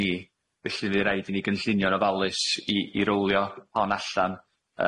ni felly fydd raid i ni gynllunio'n ofalus i i rowlio hon allan